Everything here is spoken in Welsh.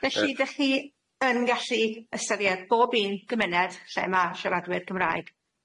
Felly dych chi yn gallu ystyried bob un gymuned lle ma' siaradwyr Cymraeg?